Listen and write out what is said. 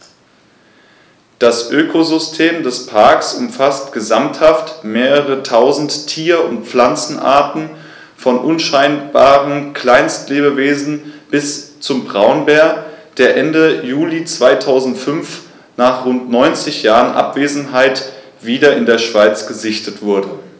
Das Ökosystem des Parks umfasst gesamthaft mehrere tausend Tier- und Pflanzenarten, von unscheinbaren Kleinstlebewesen bis zum Braunbär, der Ende Juli 2005, nach rund 90 Jahren Abwesenheit, wieder in der Schweiz gesichtet wurde.